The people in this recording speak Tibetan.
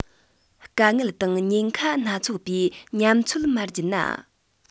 དཀའ ངལ དང ཉེན ཁ སྣ ཚོགས པའི ཉམས ཚོད མ བརྒྱུད ན